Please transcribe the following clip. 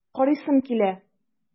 Карыйсым килә!